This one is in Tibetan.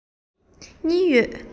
གཉིས ཡོད